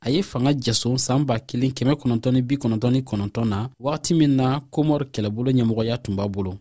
a ye fanga jaso san 1999 na wagati min na kɔmɔri kɛlɛbolo ɲɛmɔgɔya tun b'a bolo